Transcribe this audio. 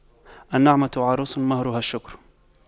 النعمة عروس مهرها الشكر